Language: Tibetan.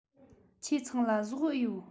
ཁྱེད ཚང ལ ཟོག འུ ཡོད